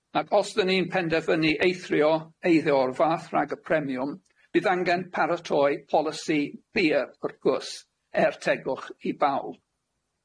Ac os dan ni'n penderfynu eithrio eiddo o'r fath rhag y premiwm, bydd angen paratoi polisi byr, wrth gwrs er tegwch i bawb.